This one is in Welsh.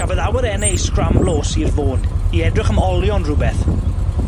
Cafodd awyrenne 'u sgramblo o Sir Fôn, i edrych am olion rwbeth.